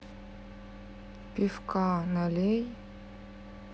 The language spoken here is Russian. пивка налей